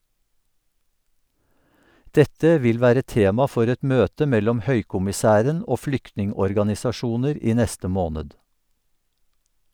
Dette vil være tema for et møte mellom høykommissæren og flyktningorganisasjoner i neste måned.